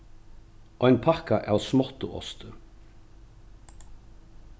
ein pakka av smáttuosti